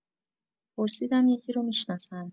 پرسیدم یکی رو می‌شناسن